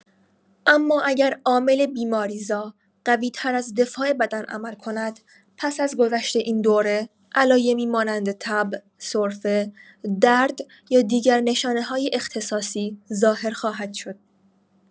اما اگر عامل بیماری‌زا قوی‌تر از دفاع بدن عمل کند، پس از گذشت این دوره، علایمی مانند تب، سرفه، درد یا دیگر نشانه‌های اختصاصی ظاهر خواهد شد.